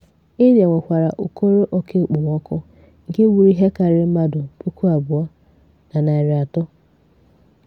India nwekwara ukoro oke okpomọkụ nke gburu ihe karịrị mmadụ 2,300.